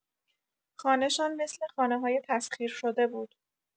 خانه‌شان مثل خانه‌های تسخیرشده بود.